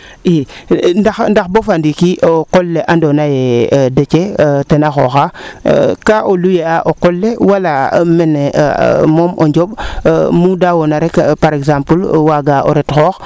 i ndax ndax boog boo fa ndiiki qol le ando naye Déthié tena xooxa kaa o loyer a o qol le wala mene moom o Ndiomb mu daawona rek par exemple waaga o ret xoox